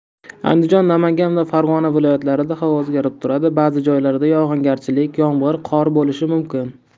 andijon namangan va farg'ona viloyatlarida havo o'zgarib turadi ba'zi joylarda yog'ingarchilik yomg'ir qor bo'lishi mumkin